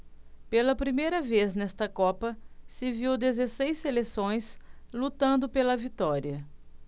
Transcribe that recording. pela primeira vez nesta copa se viu dezesseis seleções lutando pela vitória